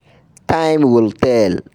Time will tell.